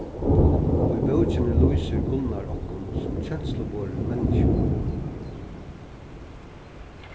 í bókini lýsir gunnar okkum sum kensluborin menniskju